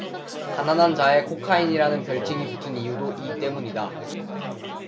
가난한 자의 코카인이라는 별칭이 붙은 이유도 이 때문이다